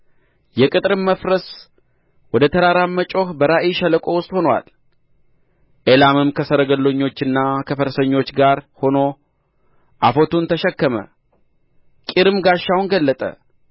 የቅጥርም መፍረስ ወደ ተራራም መጮኽ በራእይ ሸለቆ ውስጥ ሆኖአል ኤላምም ከሰረገለኞችና ከፈረሰኞች ጋር ሆኖ አፎቱን ተሸከመ ቂርም ጋሻውን ገለጠ